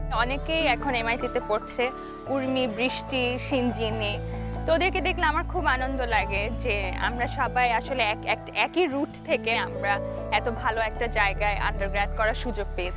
অনেকেই এখন এমআইটিতে পড়ছে উর্মি বৃষ্টি শিঞ্জিনি তো ওদেরকে দেখলে আমার খুব আনন্দ লাগে যে আমরা সবাই আসলে একই রুট থেকে এত ভালো একটা জায়গায় আন্ডারর্গ্যাড করার সুযোগ পেয়েছি